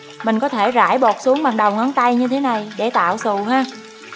mình có thể rải bột xuống bằng đầu ngón tay như thế này để tạo xù ha